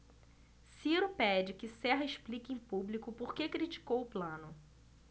ciro pede que serra explique em público por que criticou plano